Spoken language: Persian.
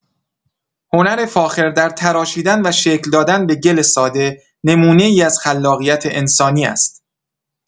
هنر فاخر در تراشیدن و شکل دادن به گل ساده، نمونه‌ای از خلاقیت انسانی است.